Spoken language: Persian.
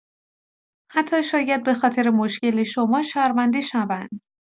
حتی شاید به‌خاطر مشکل شما شرمنده شوند.